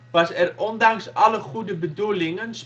was er ondanks alle goede bedoelingen